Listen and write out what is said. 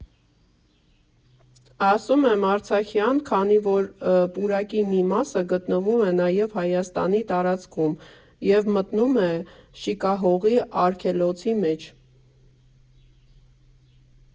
Ասում եմ արցախյան, քանի որ պուրակի մի մասը գտնվում է նաև Հայաստանի տարածքում և մտնում է Շիկահողի արգելոցի մեջ։